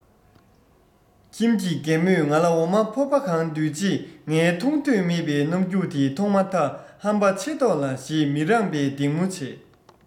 ཁྱིམ གྱི རྒན མོས ང ལ འོ མ ཕོར པ གང ལྡུད རྗེས ངའི འཐུང འདོད མེད པའི རྣམ འགྱུར དེ མཐོང མ ཐག ཧམ པ ཆེ མདོག ལ ཞེས མི རངས པའི སྡིགས མོ བྱས